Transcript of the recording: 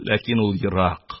Ләкин ул ерак,